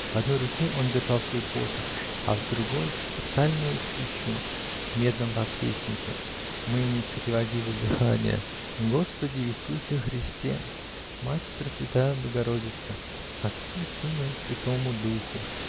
В одной руке он держал свой посох, в другой -- сальную свечу в медном подсвечнике. Мы не переводили дыхания. -- Господи Иисусе Христе! Мати пресвятая богородица! Отцу и сыну и святому духу.